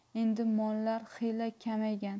endi mollar xiyla kamaygan